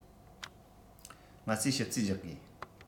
ང ཚོས ཞིབ རྩིས རྒྱག མཁས